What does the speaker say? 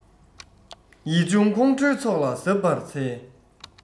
ཡིད འབྱུང ཁོང ཁྲོའི ཚོགས ལ གཟབ པར འཚལ